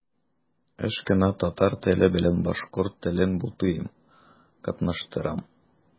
Еш кына татар теле белән башкорт телен бутыйм, катнаштырам.